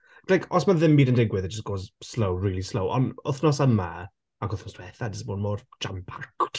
like os mae dim byd yn digwydd it just goes slow really slow. Ond wythnos yma ag wythnos diwethaf mae jyst 'di bod mor jam-packed.